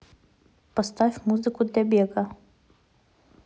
поставь музыку для бега